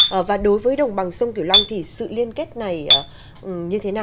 ở và đối với đồng bằng sông cửu long thì sự liên kết này ở ừ như thế nào